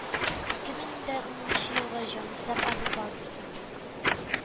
Ике мең дә унынчы елгы җанисәп алу базасы